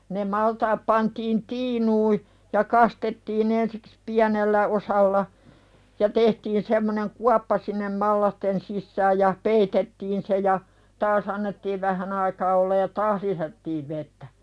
ne maltaat pantiin tiinuihin ja kastettiin ensiksi pienellä osalla ja tehtiin semmoinen kuoppa sinne mallasten sisään ja peitettiin se ja taas annettiin vähän aikaa olla ja taas lisättiin vettä